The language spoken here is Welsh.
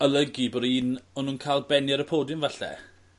olygu bo'r un o nw'n ca'l bennu ar y podiwm falle.